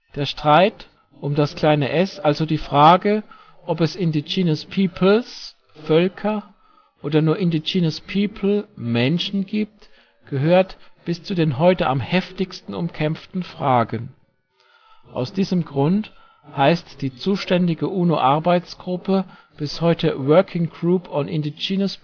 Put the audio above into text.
Der " Streit ums kleine ' s '", also die Frage, ob es indigenous peoples (Völker) oder nur indigenous people (Menschen) gibt, gehört zu den bis heute am heftigsten umkämpften Fragen. Aus diesem Grund heißt die zuständige UNO-Arbeitsgruppe bis heute Working Group on Indigenous